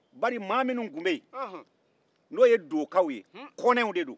bari maa minnu tun bɛ yen n'o ye dokaw ye kɔnɛw de don